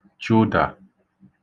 chụdà